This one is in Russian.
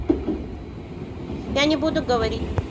я не буду говорить